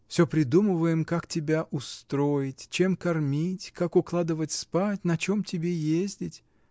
Всё придумываем, как тебя устроить, чем кормить, как укладывать спать, на чем тебе ездить.